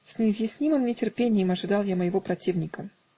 С неизъяснимым нетерпением ожидал я моего противника.